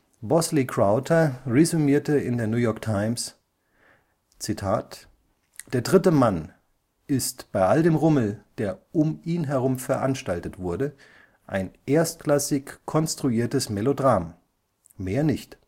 Bosley Crowther resümierte in der New York Times: „‚ Der dritte Mann ‘ist, bei all dem Rummel, der um ihn herum veranstaltet wurde, ein erstklassig konstruiertes Melodram – mehr nicht